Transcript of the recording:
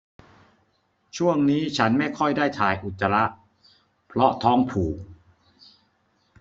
ช่วงนี้ฉันไม่ค่อยได้ถ่ายอุจจาระเพราะท้องผูก